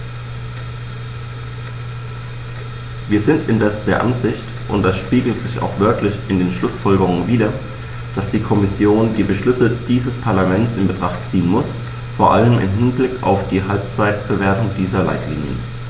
Wir sind indes der Ansicht und das spiegelt sich auch wörtlich in den Schlussfolgerungen wider, dass die Kommission die Beschlüsse dieses Parlaments in Betracht ziehen muss, vor allem im Hinblick auf die Halbzeitbewertung dieser Leitlinien.